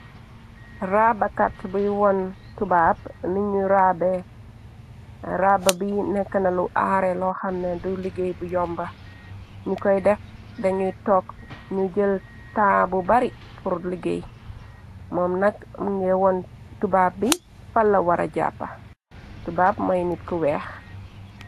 Raabakat buy woon tubab nañu rabba bi nekknalu aare loo xamne du liggéey bu yomba ñu koy dex dañuy tokk ñu jël taabu bari pur liggéey moom nak munge woon tubab bi fala wara jàppa tubab mooy nit ku weex.